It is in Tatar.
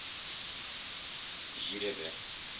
Жирәбә